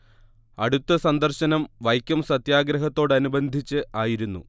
അടുത്ത സന്ദർശനം വൈക്കം സത്യാഗ്രഹത്തോടനുബന്ധിച്ച് ആയിരുന്നു